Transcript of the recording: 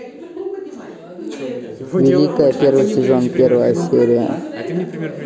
великая первый сезон первая серия